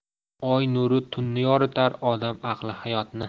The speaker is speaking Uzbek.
oy nuri tunni yoritar odam aqli hayotni